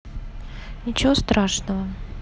ничего страшного